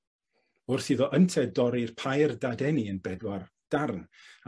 Wrth iddo ynte dorri'r pair dadeni yn bedwar darn.